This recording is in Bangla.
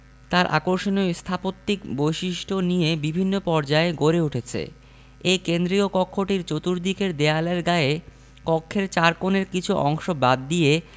তার আকর্ষণীয় স্থাপত্যিক বৈশিষ্ট্য নিয়ে বিভিন্ন পর্যায়ে গড়ে উঠেছে এ কেন্দ্রীয় কক্ষটির চর্তুদিকের দেয়ালের গায়ে কক্ষের চার কোণের কিছু অংশ বাদ দিয়ে